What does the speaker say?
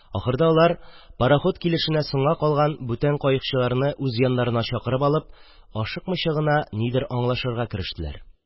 Ахырда алар, пароход килешенә соңга калган бүтән каекчыларны үз яннарына чакырып алып, ашыкмыйча гына нидер аңлашырга керештеләр.